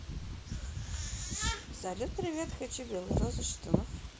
салют привет хочу белые розы шатунов